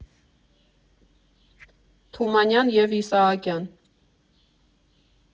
Թումանյան և Իսահակյան.